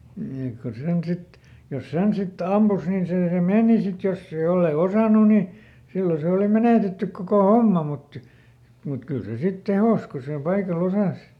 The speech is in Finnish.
niin että kun sen sitten jos sen sitten ampui niin se se meni sitten jos ei jos ei osannut niin silloin se oli menetetty koko homma mutta mutta kyllä se sitten tehosi kun sillä paikalla osasi